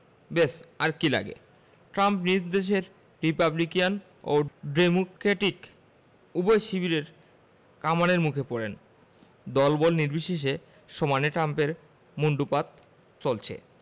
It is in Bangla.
ব্যস আর কী লাগে ট্রাম্প নিজ দেশে রিপাবলিকান ও ডেমোক্রেটিক উভয় শিবিরের কামানের মুখে পড়েন দলবল নির্বিশেষে সমানে ট্রাম্পের মুণ্ডুপাত চলছে